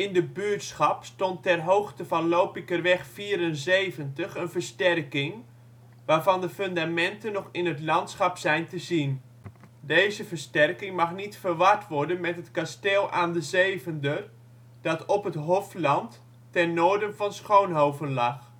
buurtschap stond ter hoogte van Lopikerweg 74 een versterking, waarvan de fundamenten nog in het landschap zijn te zien. Deze versterking mag niet verward worden met het Kasteel aan de Zevender dat op het Hofland ten noorden van Schoonhoven lag